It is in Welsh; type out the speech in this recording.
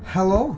Helo.